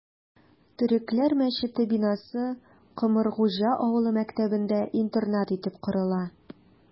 Төрекләр мәчете бинасы Комыргуҗа авылы мәктәбенә интернат итеп корыла...